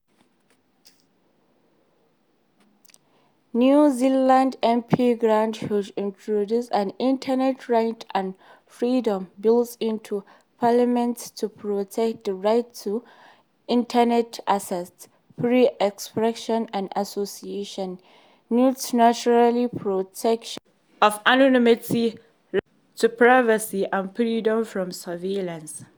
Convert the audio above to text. New Zealand MP Garth Hughes introduced an Internet Rights and Freedoms Bill into Parliament to protect the right to Internet access, free expression and association, net neutrality, protection of anonymity, right to privacy and freedom from surveillance.